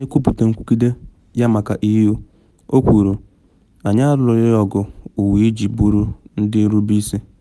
Na ekwupute nkwugide ya maka EU, o kwuru: “Anyị alụghị ọgụ ụwa iji bụrụ ndị nrube isi.